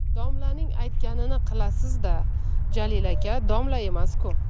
domlaning aytganini qilasiz da jalil aka domla emas ku